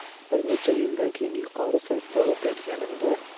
bir necha yildan keyin yuqori sinfda o'qiyotganimda